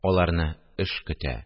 Аларны эш көтә